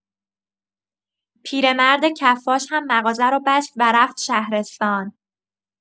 پیرمرد کفاش هم مغازه رو بست و رفت شهرستان.